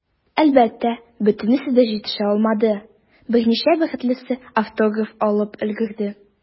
Әлбәттә, бөтенесе дә җитешә алмады, берничә бәхетлесе автограф алып өлгерде.